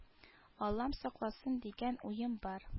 Аллам сакласын дигән уем бар